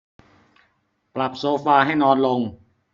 ปรับโซฟาให้นอนลง